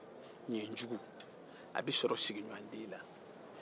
ninjugu beɛ sɔrɔ sigiɲɔgɔnden na